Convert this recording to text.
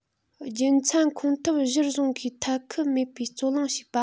རྒྱུ མཚན ཁུངས ཐུབ གཞིར བཟུང གིས ཐལ འཁུམས མེད པར རྩོད གླེང བྱེད པ